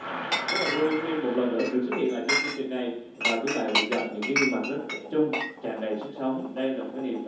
rất là vui khi một lần nữa được xuất hiện lại trong chương trình này và tuấn lại được gặp những cái gương mặt rất trẻ trung tràn đầy sức sống đây là một cái niềm